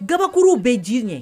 Kabakuruw bɛ jiri ɲɛ